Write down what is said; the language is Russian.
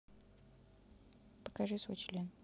покажи свой член